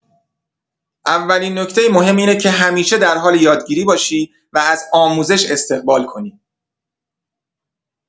اولین نکته مهم اینه که همیشه در حال یادگیری باشی و از آموزش استقبال کنی.